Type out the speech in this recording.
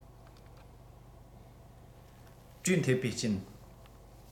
དྲས མཐུད བའི རྐྱེན